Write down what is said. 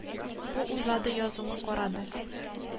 Килешү ике елга исәпләнгән.